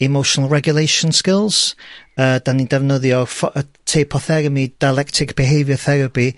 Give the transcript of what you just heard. emotional regulation skills a 'dan ni'n defnyddio ffo- yy teip o therapi dialectic behaviour therapy